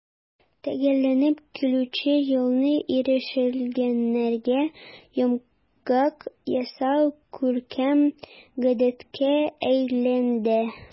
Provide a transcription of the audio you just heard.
Төгәлләнеп килүче елны ирешелгәннәргә йомгак ясау күркәм гадәткә әйләнде.